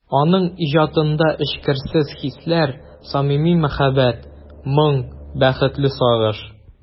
Аның иҗатында эчкерсез хисләр, самими мәхәббәт, моң, бәхетле сагыш...